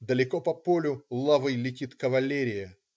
Далеко по полю лавой летит кавалерия.